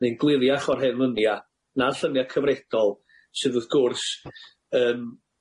neu'n gliriach o'r hen lynia, na'r llynia cyfredol sydd wrth gwrs yym